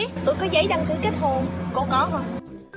tôi có giấy đăng ký kết hôn cô có hông